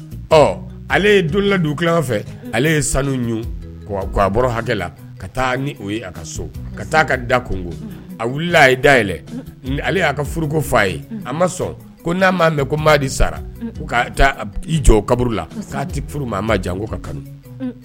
Ale ye donladugu fɛ ale ye sanua hakɛ la ka ni a ka so ka taa ka da kungo a wulila a ye daɛlɛn ale'a ka furuko fa a ye a ma sɔn n'a m'a mɛn kodi sara ka jɔ kaburu la' ma a ma janko ka kanu